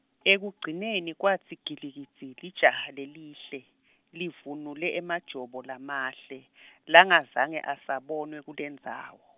ekugcineni kwatsi gilikidzi lijaha lelihle, livunule emajobo lamahle , langazange a sabonwe kulendzawo.